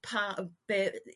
Pa yrr be- yrr.